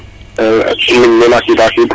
i imbi in nene xa qid xa qid